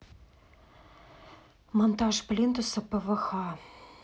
монтаж плинтуса пвх